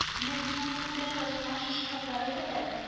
Менә сезнең кул белән язылган шушы хатлар әйтәләр